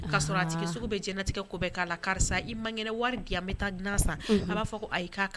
Ka sɔrɔ a tigi sugu bi diɲɛnatigɛ sugu bɛɛ ka a la. Karisa i mangɛnɛ wari di yan n bɛ taa nan San. A ba fɔ ko ayi ka